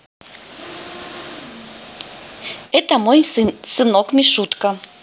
это мой сынок мишутка